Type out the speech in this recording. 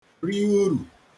ri uru